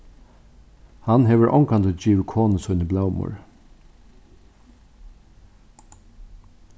hann hevur ongantíð givið konu síni blómur